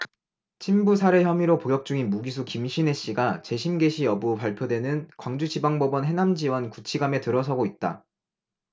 친부 살해 혐의로 복역 중인 무기수 김신혜씨가 재심 개시 여부 발표되는 광주지방법원 해남지원 구치감에 들어서고 있다